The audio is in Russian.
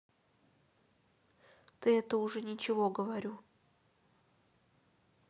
ты это уже ничего говорю